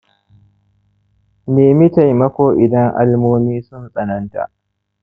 nemi taimako idan almomi sun tsananta